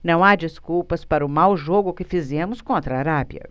não há desculpas para o mau jogo que fizemos contra a arábia